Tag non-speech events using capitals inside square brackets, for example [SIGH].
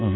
[HESITATION] [HESITATION]